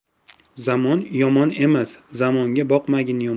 zamon yomon emas zamonga boqmagan yomon